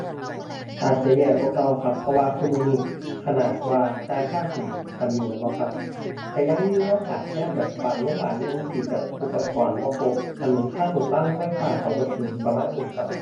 อาจจะแย่กว่าเก่าครับ เพราะว่าซุมื้อนี้ขนาดว่าจ่ายภาษีปานนี้แม่นบ่ครับ ก็ยังมีแนวขาดแคลนแบบบางโรงบาลอิหยังจั่งซี้ก็อุปกรณ์บ่ครบ ถนนทางลูกรัง ไฟฟ้าเข้าบ่ถึงประมาณนี้ครับ